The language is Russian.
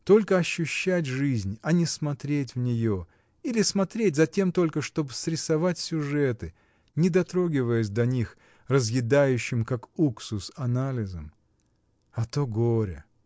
Только ощущать жизнь, а не смотреть в нее или смотреть затем только, чтобы срисовывать сюжеты, не дотрогиваясь до них разъедающим, как уксус, анализом. А то горе!